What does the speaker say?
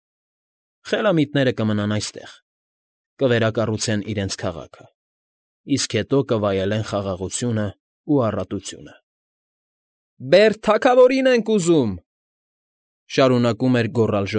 Խելամիտները կմնան այստեղ, կվերակառուցեն իրենց քաղաքը, իսկ հետո կվայելեն խաղաղությունն ու առատությունը։ ֊ Բերդ թագավորին ենք ուզում,֊ շարունակեց գոռալ։